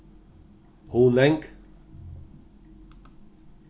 hunang